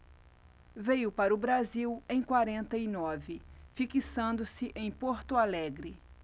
veio para o brasil em quarenta e nove fixando-se em porto alegre